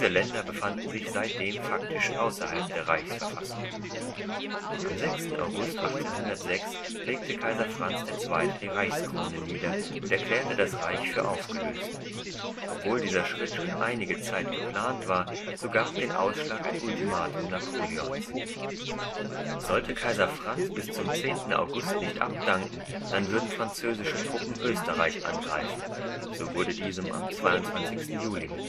Länder befanden sich seitdem faktisch außerhalb der Reichsverfassung. Am 6. August 1806 legte Kaiser Franz II. die Reichskrone nieder und erklärte das Reich für aufgelöst. Obwohl dieser Schritt schon einige Zeit geplant war, so gab den Ausschlag ein Ultimatum Napoleons. Sollte Kaiser Franz bis zum 10. August nicht abdanken, dann würden französische Truppen Österreich angreifen, so wurde diesem am 22. Juli